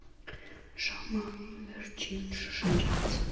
Ժամը վեցին շշնջաց.